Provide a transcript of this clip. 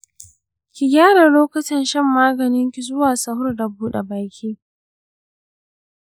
ki gyara lokutan shan maganinki zuwa sahur da buɗa baki.